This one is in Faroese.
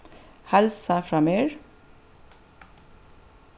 heilsa frá mær